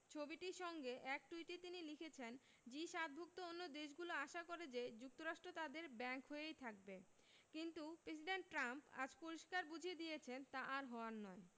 ছবিটির সঙ্গে এক টুইটে তিনি লিখেছেন জি ৭ ভুক্ত অন্য দেশগুলো আশা করে যে যুক্তরাষ্ট্র তাদের ব্যাংক হয়েই থাকবে কিন্তু প্রেসিডেন্ট ট্রাম্প আজ পরিষ্কার বুঝিয়ে দিয়েছেন তা আর হওয়ার নয়